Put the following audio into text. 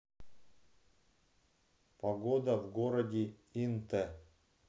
погода в городе инте